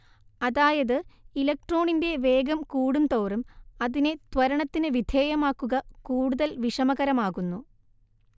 അതായത് ഇലക്ട്രോണിന്റെ വേഗം കൂടുംതോറും അതിനെ ത്വരണത്തിന് വിധേയമാക്കുക കൂടുതൽ വിഷമകരമാകുന്നു